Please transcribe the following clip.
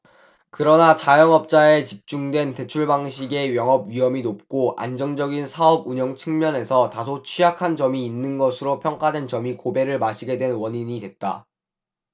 그러나 자영업자에 집중된 대출방식의 영업위험이 높고 안정적인 사업운영 측면에서 다소 취약한 점이 있는 것으로 평가한 점이 고배를 마시게 된 원인이 됐다